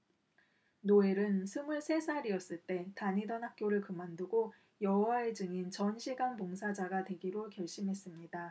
노엘은 스물세 살이었을 때 다니던 학교를 그만두고 여호와의 증인 전 시간 봉사자가 되기로 결심했습니다